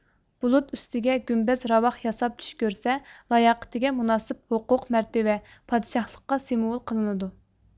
بۇلۇت ئۈستىگە گۆمبەز راۋاق ياساپ چۈش كۆرسە لاياقىتىگە مۇناسىپ ھوقوق مەرتىۋە پادىشاھلىققا سېموۋول قىلىنىدۇ